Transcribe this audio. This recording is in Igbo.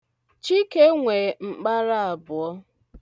Chike nwe mkpara abụọ.